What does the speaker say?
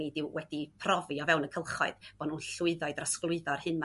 ni 'di wedi profi o fewn y Cylchoedd bo' n'w'n llwyddo i drosglwyddo yr hyn ma'